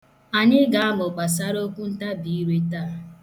Anyị ga-amụ gbasara okwuntabire taa.